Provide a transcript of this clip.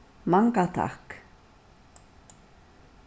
manga takk